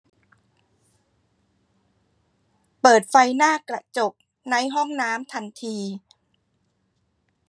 เปิดไฟหน้ากระจกในห้องน้ำทันที